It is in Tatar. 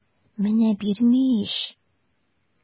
Менә бирми ич!